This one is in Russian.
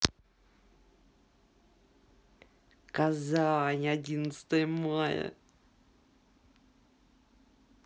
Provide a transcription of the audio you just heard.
казань одиннадцатое мая